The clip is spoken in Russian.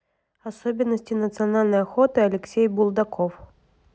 особенности национальной охоты алексей булдаков